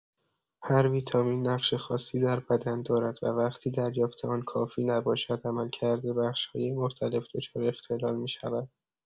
هر ویتامین نقش خاصی در بدن دارد و وقتی دریافت آن کافی نباشد، عملکرد بخش‌های مختلف دچار اختلال می‌شود.